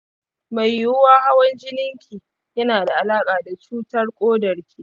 mai yiwuwa hawan jininki yana da alaƙa da cutar kodarki.